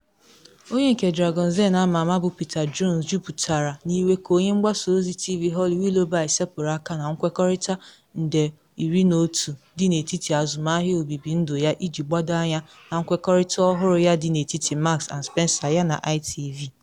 Onye nke Dragons Den ama ama bụ Peter Jones juputara ‘n’iwe’ ka onye mgbasa ozi TV Holly Willoughby sepụrụ aka na nkwekọrịta £11million dị n’etiti azụmahịa obibi ndụ ya iji gbado anya na nkwekọrịta ọhụrụ ya dị n’etiti Marks and Spencer yana ITV